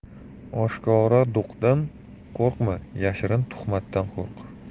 oshkora do'qdan qo'rqma yashirin tuhmatdan qo'rq